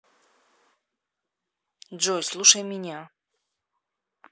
джой слушай меня